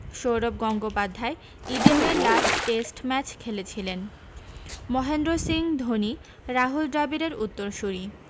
সৌরভ গঙ্গোপাধ্যায় ইডেনে last test match খেলেছিলেন মহেন্দ্র সিং ধোনি রাহুল দ্রাবিড়ের উত্তর সুরী